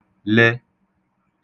le